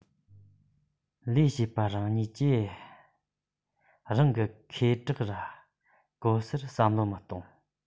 ལས བྱེད པ རང ཉིད ཀྱིས རང གི ཁེ གྲགས གོ གསར བསམ བློ མི གཏོང